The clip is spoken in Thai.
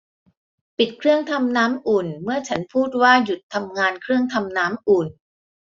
ปิดเครื่องทำน้ำอุ่นเมื่อฉันพูดว่าหยุดทำงานเครื่องทำน้ำอุ่น